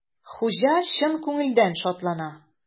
Хуҗа чын күңелдән шатлана.